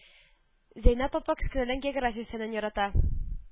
Зәйнәп апа кечкенәдән география фәнен ярата